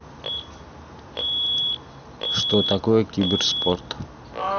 что такое киберспорт